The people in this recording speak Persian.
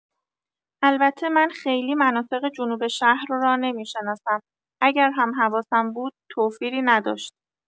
البته من خیلی مناطق جنوب شهر را نمی‌شناسم اگر هم حواسم بود توفیری نداشت.